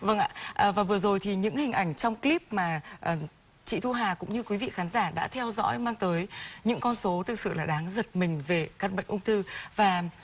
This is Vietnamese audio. vâng ạ à vừa vừa rồi thì những hình ảnh trong cờ líp mà chị thu hà cũng như quý vị khán giả đã theo dõi mang tới những con số thực sự là đáng giật mình về căn bệnh ung thư và